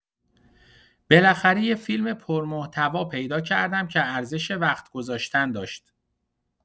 بالاخره یه فیلم پرمحتوا پیدا کردم که ارزش وقت گذاشتن داشت.